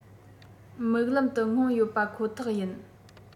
མིག ལམ དུ མངོན ཡོད པ ཁོ ཐག ཡིན